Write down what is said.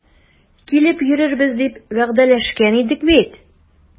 Килеп йөрербез дип вәгъдәләшкән идек бит.